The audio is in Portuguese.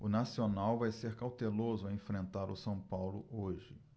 o nacional vai ser cauteloso ao enfrentar o são paulo hoje